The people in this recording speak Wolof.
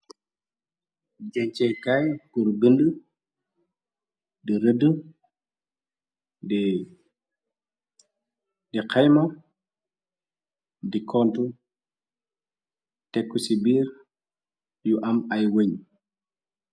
Jéncéekaay kur bind di rëdd, di xayma, di kont, tekku ci biir yu am ay wéñ.